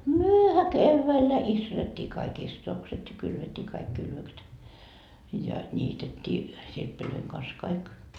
mehän keväällä istutettiin kaikki istutukset ja kylvettiin kaikki kylvökset ja niitettiin sirppien kanssa kaikki